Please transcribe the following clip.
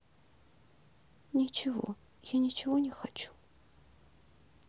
ничего я ничего не хочу